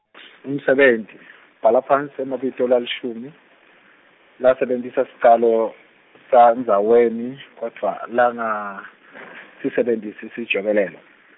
umsebenti, Bhala phasi emabito lalishumi, lasebentisa sicalo sandzaweni, kodvwa langasisebentisi sijobelelo.